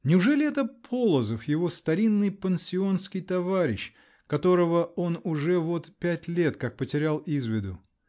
Неужели это -- Полозов, его старинный пансионский товарищ, которого он уже вот пять лет, как потерял из виду?